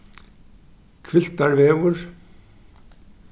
hvilvtarvegur